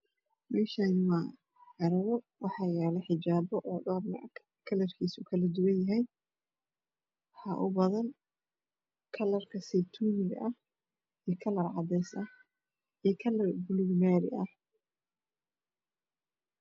Meshaani waa carwo waxaa yala xijaapo kalrkiisa kala duwan yahay waxaa upadan karka seytuuniga ah iyo kalarka puluug Maria h